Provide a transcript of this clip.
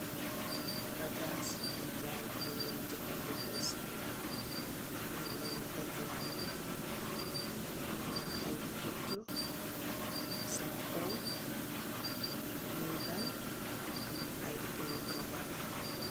Bagas yun nyoi jay di co jeffadico ceni yaram nung leen tek lan te am na ay guttu shampoo ak nyullal ak diwwi cawar.